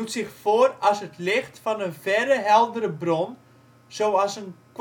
zich voor als het licht van een verre heldere bron zoals een